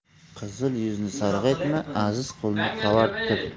qizil yuzni sarg'aytma aziz qo'lni qavartir